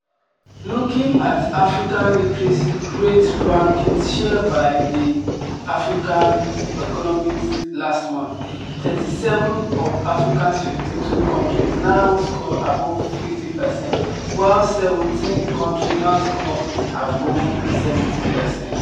Looking at African literacy rate rankings shared by The African Economist last month, 37 of Africa's 52 countries now score above 50 percent, while 17 countries now score above 70 percent.